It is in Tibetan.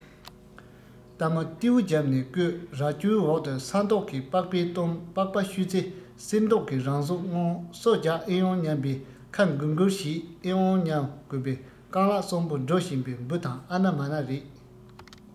སྟ མ སྟེའུ བརྒྱབ ནས བརྐོས རྭ ཅོའི འོག ཏུ ས མདོག གིས པགས པས བཏུམས པགས པ བཤུས ཚེ གསེར མདོག གི རང གཟུགས མངོན སོ རྒྱག ཨེ འོང སྙམ པའི ཁ འགུལ འགུལ བྱེད ཨེ འོང སྙམ དགོས པའི རྐང ལག གསོན པོ འགྲོ བཞིན པའི འབུ དང ཨ ན མ ན རེད